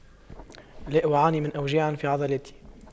لا أعاني من أوجاع في عضلاتي